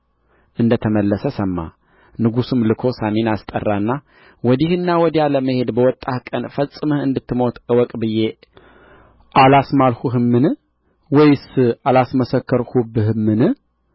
እንደ ተመለሰ ሰማ ንጉሡም ልኮ ሳሚን አስጠራና ወዲህና ወዲያ ለመሄድ በወጣህ ቀን ፈጽመህ እንድትሞት እወቅ ብዬ በእግዚአብሔር አላስማልሁህምን ወይስ አላስመሰከርሁብህምን